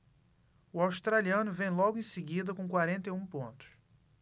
o australiano vem logo em seguida com quarenta e um pontos